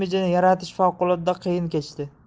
imijini yaratish favqulodda qiyin kechdi